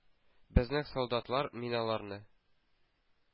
Безнең солдатлар миналарны